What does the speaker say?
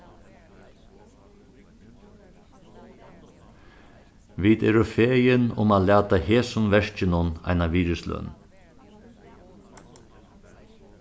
vit eru fegin um at lata hesum verkinum eina virðisløn